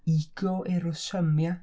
ego ero sum ia?